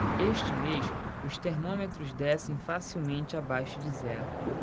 este mês os termômetros descem facilmente abaixo de zero